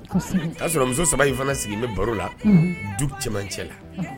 Kɔsɛbɛ o y'a sɔrɔ muso 3 in fana sigin be baro la unhun du cɛmancɛ la unhun